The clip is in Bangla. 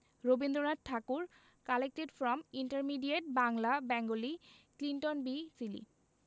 Rabindranath Thakur collected from intermediate Bangla Bengali Clinton B Seely